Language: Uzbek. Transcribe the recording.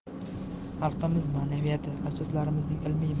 xalqimiz ma'naviyati ajdodlarimizning ilmiy